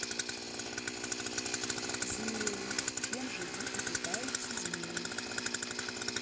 змеи чем живут и питаются змеи